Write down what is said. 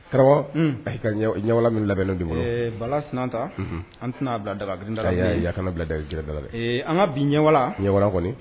Karamɔgɔ a' kalan min labɛnnen don bala sinaan ta an tɛnaa da da da kana bila da g da dɛ an ka bi ɲɛwalan ɲɛwalan kɔni